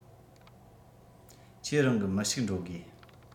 ཁྱེད རང གི མི ཞིག འགྲོ དགོས